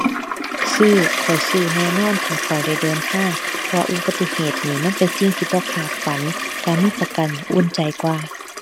ซื้อข้อยซื้อแน่นอนถ้าข้อยได้เดินทาง เพราะว่าอุบัติเหตุนี่มันเป็นสิ่งที่บ่คาดฝัน การมีประกันอุ่นใจกว่า